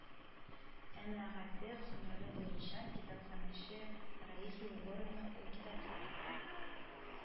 Әмәгате, һөнәре буенча китапханәче раиса егоровна ул китаплар